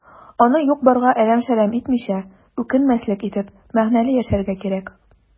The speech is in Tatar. Аны юк-барга әрәм-шәрәм итмичә, үкенмәслек итеп, мәгънәле яшәргә кирәк.